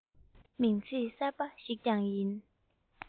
མིང ཚིག གསར པ ཞིག ཀྱང ཡིན